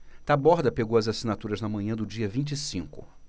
taborda pegou as assinaturas na manhã do dia vinte e cinco